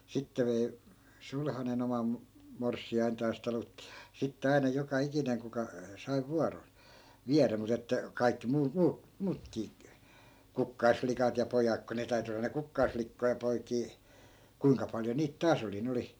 sitten vei sulhanen oman morsiantaan talutti ja sitten aina joka ikinen kuka sai vuoron viedä mutta että kaikki -- muutkin kukkaslikat ja pojat kun ne täytyi olla ne kukkaslikkoja ja poikia kuinka paljon niitä taas oli ne oli